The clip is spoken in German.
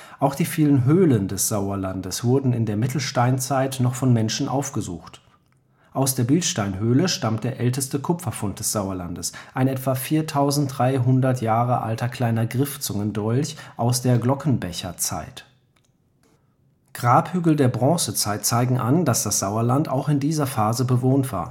Auch die vielen Höhlen des Sauerlandes wurden in der Mittelsteinzeit noch von Menschen aufgesucht. Aus der Bilsteinhöhle stammt der älteste Kupferfund des Sauerlandes, ein etwa 4300 Jahre alter kleiner Griffzungendolch aus der Glockenbecherzeit. Grabhügel der Bronzezeit zeigen an, dass das Sauerland auch in dieser Phase bewohnt war